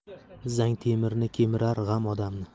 zang temirni kemirar g'am odamni